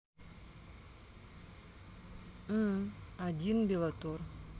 м один белатор